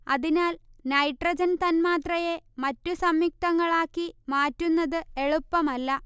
അതിനാൽ നൈട്രജൻ തന്മാത്രയെ മറ്റു സംയുക്തങ്ങളാക്കി മാറ്റുന്നത് എളുപ്പമല്ല